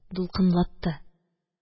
Дулкынлатты.